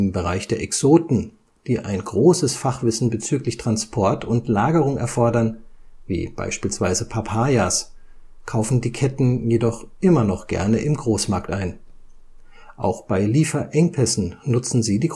Bereich der Exoten, die ein großes Fachwissen bezüglich Transport und Lagerung erfordern, wie beispielsweise Papayas, kaufen die Ketten jedoch immer noch gerne im Großmarkt ein. Auch bei Lieferengpässen nutzen sie die